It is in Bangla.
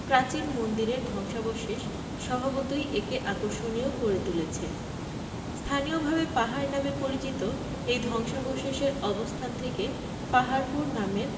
প্রাচীন মন্দিরের ধ্বংসাবশেষ স্বভাবতই একে আকর্ষণীয় করে তুলেছে স্থানীয়ভাবে পাহাড় নামে পরিচিত এ ধ্বংসাবশেষের অবস্থান থেকে পাহাড়পুর নামের